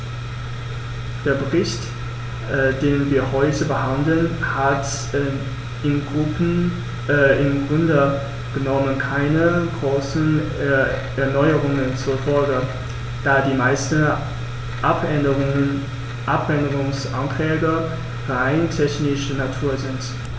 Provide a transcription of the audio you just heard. Der Bericht, den wir heute behandeln, hat im Grunde genommen keine großen Erneuerungen zur Folge, da die meisten Abänderungsanträge rein technischer Natur sind.